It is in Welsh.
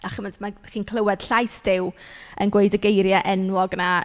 A chimod ma'... chi'n clywed llais Duw yn gweud y geiriau enwog 'na,